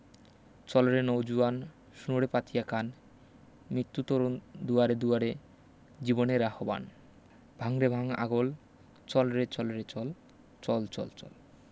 চল রে নও জুয়ান শোন রে পাতিয়া কান মিত্যু তরুণ দুয়ারে দুয়ারে জীবনের আহবান ভাঙ রে ভাঙ আগল চল রে চল রে চল চল চল চল